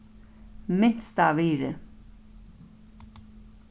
minstavirði